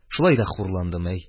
Шулай да хурландым, әй.